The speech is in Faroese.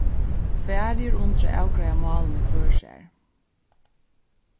farið er undir at avgreiða málini hvør sær